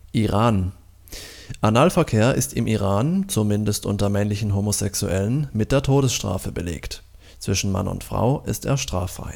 Iran Analverkehr ist im Iran, zumindest unter männlichen Homosexuellen, mit der Todesstrafe belegt, zwischen Mann und Frau ist er straffrei